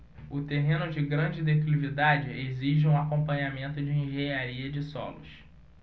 o terreno de grande declividade exige um acompanhamento de engenharia de solos